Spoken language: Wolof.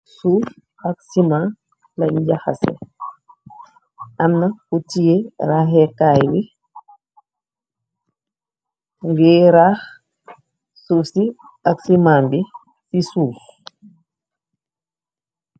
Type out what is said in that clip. suuf ak siman lañ jaxase amna kuc ciye raaxekaay bi ngir raax suuf ci ak siman bi ci suuf